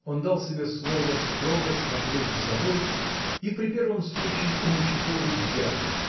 Он дал себе слово строго смотреть за собой и при первом случае уничтожить дядю